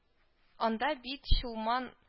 Анда бит Чулман